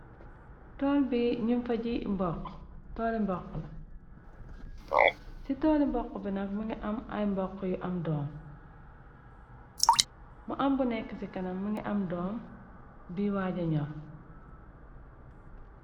Yol bi ñyunf fa jii mboxo mboxo ci tooli mbokx bi nax mingi am ay mbokk yu am doom mu ambu nekk ci kana mi ngi am doom bi waaja ñoor.